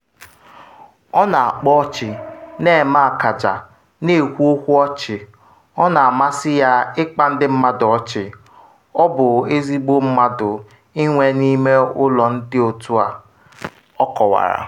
“Ọ na-akpa ọchị, na-eme akaja, na-ekwu okwu ọchị, ọ na-amasị ya ịkpa ndị mmadụ ọchị, ọ bụ ezigbo mmadụ inwe n’ime ụlọ ndị otu a,” ọ kọwara.